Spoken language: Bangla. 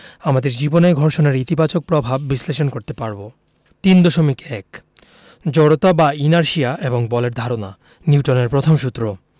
আমাদের জীবনে ঘর্ষণের ইতিবাচক প্রভাব বিশ্লেষণ করতে পারব ৩.১ জড়তা বা ইনারশিয়া এবং বলের ধারণা নিউটনের প্রথম সূত্র